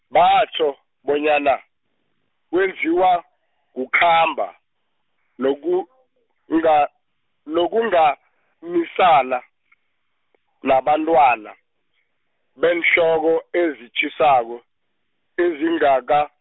batjho, bonyana, wenziwa, kukhamba, nokunga- nokunganisana , nabantwana, beenhloko ezitjhisako, ezingaka.